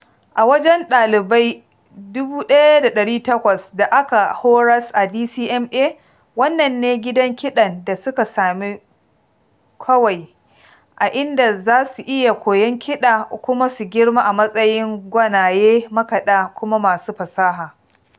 A wajen ɗalibai 1,800 da aka horas a DCMA, wannan ne gidan kiɗan da suka sani kawai, a inda za su iya koyan kiɗa kuma su girma a matsayin gwanaye makaɗa kuma masu fasaha.